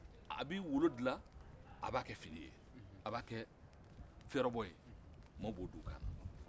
a bɛ golo dilan a b'a kɛ fini ye a b'a kɛ fɛrɛbɔ ye maaw b'o don u kan na